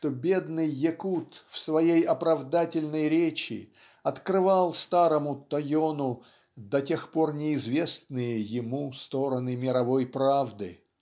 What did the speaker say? что бедный якут в своей оправдательной речи открывал старому Тойону до тех пор не известные Ему стороны мировой правды